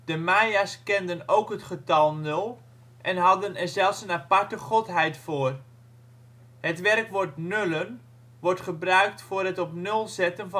Maya 's kenden ook het getal nul en hadden er zelfs een aparte godheid voor. Het werkwoord nullen wordt gebruikt voor het op nul zetten